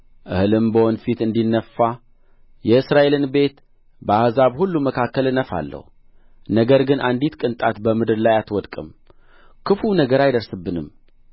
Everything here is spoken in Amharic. እህልም በወንፊት እንዲነፋ የእስራኤልን ቤት በአሕዛብ ሁሉ መካከል እነፋለሁ ነገር ግን አንዲት ቅንጣት በምድር ላይ አትወድቅም ክፉው ነገር አይደርስብንም